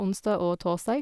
Onsdag og torsdag.